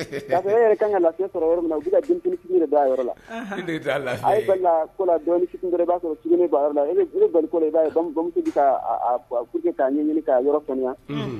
E yɛrɛ ka kan ka lafi sɔrɔ yɔrɔ min ka da yɔrɔ la a b'a sɔrɔ bali'a k'a ɲɛ ɲini k'a yɔrɔya